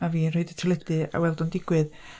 A fi'n rhoid y teledu a'i weld o'n digwydd.